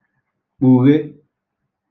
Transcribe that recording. kpùghe